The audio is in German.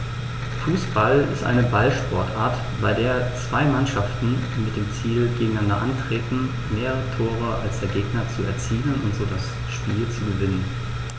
Fußball ist eine Ballsportart, bei der zwei Mannschaften mit dem Ziel gegeneinander antreten, mehr Tore als der Gegner zu erzielen und so das Spiel zu gewinnen.